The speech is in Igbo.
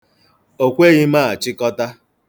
O kweghị m achịkọta.